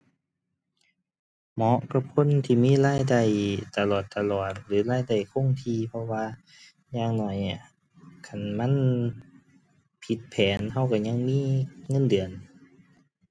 เหมาะกับคนที่มีรายได้ตลอดตลอดหรือรายได้คงที่ เพราะว่า อย่างน้อยอะ คันมันผิดแผน เราเรายังมีเงินเดือน